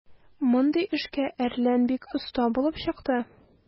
Мондый эшкә "Әрлән" бик оста булып чыкты.